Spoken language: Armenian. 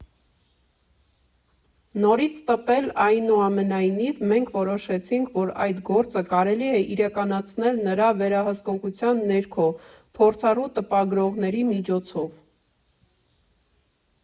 Նորից տպել Այնուամենայնիվ, մենք որոշեցինք, որ այդ գործը կարելի է իրականացնել նրա վերահսկողության ներքո՝ փորձառու տպագրողների միջոցով։